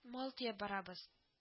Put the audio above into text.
Мал төяп барабыз